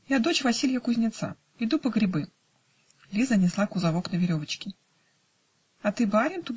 я дочь Василья кузнеца, иду по грибы" (Лиза несла кузовок на веревочке). -- "А ты, барин?